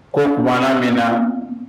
Ko kumana min na